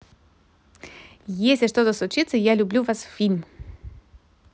если что то случится я люблю вас фильм